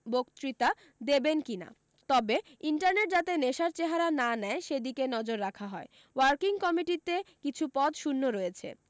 বক্তৃতা দেবেন কী না তবে ইন্টারনেট যাতে নেশার চেহারা না নেয় সে দিকে নজর রাখা হয় ওয়ার্কিং কমিটিতে কিছু পদ শূন্য রয়েছে